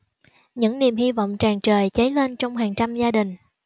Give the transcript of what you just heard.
những niềm hi vọng tràn trề cháy lên trong hàng trăm gia đình